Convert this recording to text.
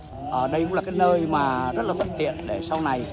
ở đây cũng là cái nơi mà rất là thuận tiện để sau này